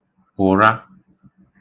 ụ̀ra